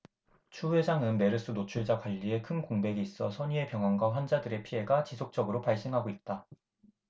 추 회장은 메르스 노출자 관리에 큰 공백이 있어 선의의 병원과 환자들의 피해가 지속적으로 발생하고 있다